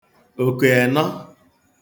òkè ẹ̀nọ